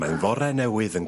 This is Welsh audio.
Mae'n fore newydd yn...